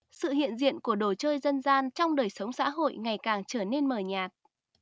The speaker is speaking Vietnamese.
sự hiện diện của đồ chơi dân gian trong đời sống xã hội ngày càng trở nên mờ nhạt